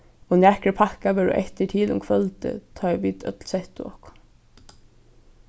og nakrir pakkar vóru eftir til um kvøldið tá ið vit øll settu okkum